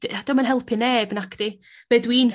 de- 'di o'm yn helpu neb nacdi? Be' dw i'n...